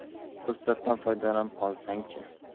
fursatdan foydalanib qolsang chi